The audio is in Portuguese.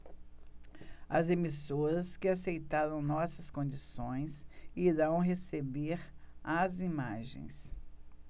as emissoras que aceitaram nossas condições irão receber as imagens